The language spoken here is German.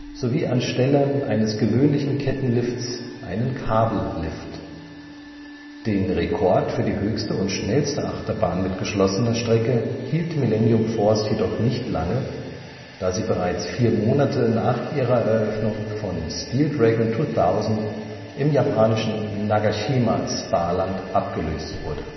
sowie anstelle eines gewöhnlichen Kettenlifts einen Kabellift. Den Rekord für die höchste und schnellste Achterbahn mit geschlossener Strecke hielt Millennium Force jedoch nicht lange, da sie bereits vier Monate nach ihrer Eröffnung von Steel Dragon 2000 im japanischen Nagashima Spa Land abgelöst wurde